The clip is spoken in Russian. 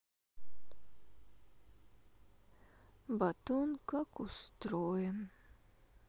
батон как устроен